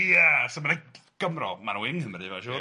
Ia! So ma'na Gymro, ma' nhw yng Nghymru mae'n siŵr... Ia